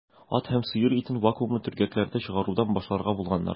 Ат һәм сыер итен вакуумлы төргәкләрдә чыгарудан башларга булганнар.